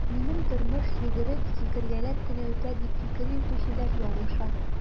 Минем тормыш йөгереп, сикергәләп кенә үтә, дип фикер йөртүчеләр ялгыша.